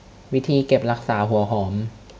วิธีเก็บรักษาหัวหอม